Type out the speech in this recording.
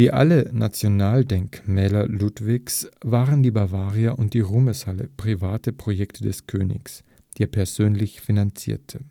alle Nationaldenkmäler Ludwigs waren die Bavaria und die Ruhmeshalle private Projekte des Königs, die er persönlich finanzierte